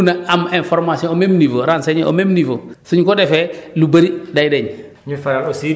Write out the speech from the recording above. comme ça ñëpp mun a am information même niveau renseigner au même niveau su ñu ko defee lu bëri day dëñ